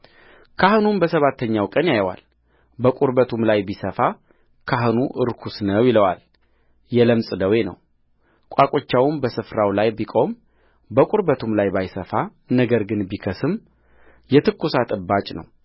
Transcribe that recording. ካህኑም በሰባተኛው ቀን ያየዋል በቁርበቱም ላይ ቢሰፋ ካህኑ ርኩስ ነው ይለዋል የለምጽ ደዌ ነውቋቁቻውም በስፍራው ላይ ቢቆም በቁርበቱም ላይ ባይሰፋ ነገር ግን ቢከስም የትኵሳት እባጭ ነው